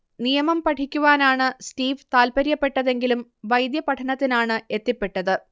നിയമം പഠിക്കുവാനാണ് സ്റ്റീവ് താൽപര്യപ്പെട്ടതെങ്കിലും വൈദ്യപഠനത്തിനാണ് എത്തിപ്പെട്ടത്